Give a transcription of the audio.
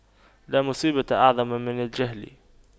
لا مصيبة أعظم من الجهل